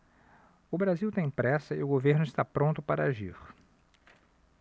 o brasil tem pressa e o governo está pronto para agir